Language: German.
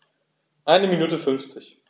Eine Minute 50